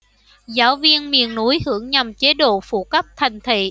giáo viên miền núi hưởng nhầm chế độ phụ cấp thành thị